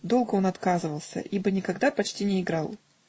Долго он отказывался, ибо никогда почти не играл